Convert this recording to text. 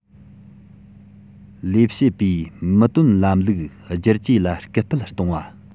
ལས བྱེད པའི མི དོན ལམ ལུགས བསྒྱུར བཅོས ལ སྐུལ སྤེལ གཏོང བ